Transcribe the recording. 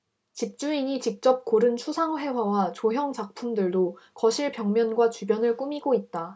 집주인이 직접 고른 추상 회화와 조형 작품들도 거실 벽면과 주변을 꾸미고 있다